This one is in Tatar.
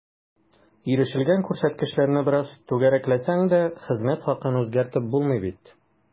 Ирешелгән күрсәткечләрне бераз “түгәрәкләсәң” дә, хезмәт хакын үзгәртеп булмый бит.